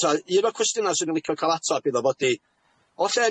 'ta un o cwestiynau 'swn i'n licio ca'l atab iddo fo ydi o lle